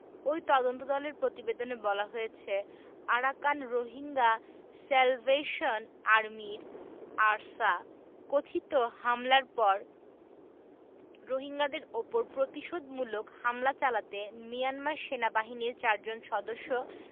ওই তদন্তদলের প্রতিবেদনে বলা হয়েছে আরাকান রোহিঙ্গা স্যালভেশন আর্মির আরসা কথিত হামলার পর রোহিঙ্গাদের ওপর প্রতিশোধমূলক হামলা চালাতে মিয়ানমার সেনাবাহিনীর চারজন সদস্য